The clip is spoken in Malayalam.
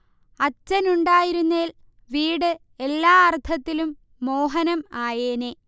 അച്ഛൻ ഉണ്ടായിരുന്നേൽ വീട് എല്ലാ അർത്ഥത്തിലും മോഹനം ആയേനേ